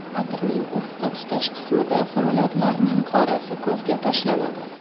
adirning ufqqa tutash qismida samolyotlarning qorasi ko'zga tashlanadi